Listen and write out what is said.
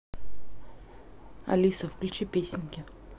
алиса включи песенки